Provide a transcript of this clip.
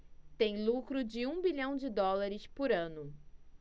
tem lucro de um bilhão de dólares por ano